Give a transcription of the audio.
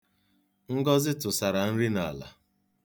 Ngọzị tụsara nri n'ala.